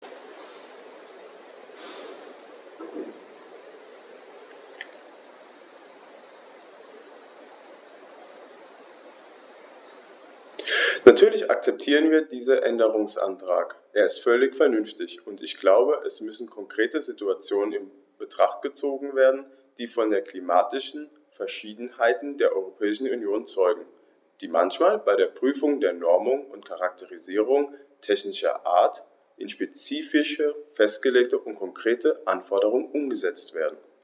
Natürlich akzeptieren wir diesen Änderungsantrag, er ist völlig vernünftig, und ich glaube, es müssen konkrete Situationen in Betracht gezogen werden, die von der klimatischen Verschiedenartigkeit der Europäischen Union zeugen, die manchmal bei der Prüfung der Normungen und Charakterisierungen technischer Art in spezifische Festlegungen und konkrete Anforderungen umgesetzt werden.